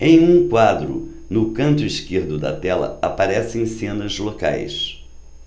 em um quadro no canto esquerdo da tela aparecem cenas locais